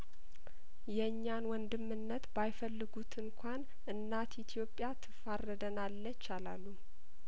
የኛን ወንድምነት ባይፈልጉት እንኳን እናት ኢትዮጵያትፋ ረደናለች አላሉም